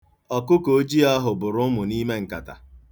Ọkụkọ ojii ahụ bụrụ ụmụ n'ime nkata.